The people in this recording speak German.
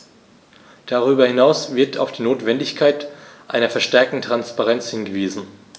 Darüber hinaus wird auf die Notwendigkeit einer verstärkten Transparenz hingewiesen.